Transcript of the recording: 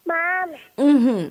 Maa . Unhun.